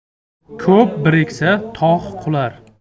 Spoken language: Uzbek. ko'p biriksa tog' qular